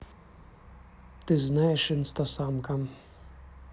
ты знаешь instasamka